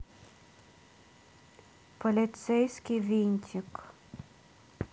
полицейский винтик